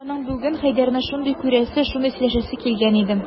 Аның бүген Хәйдәрне шундый күрәсе, шундый сөйләшәсе килгән иде...